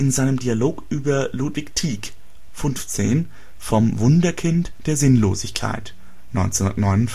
seinem Dialog über Ludwig Tieck: ‹ FUNFZEHN ›. Vom Wunderkind der Sinnlosigkeit (1959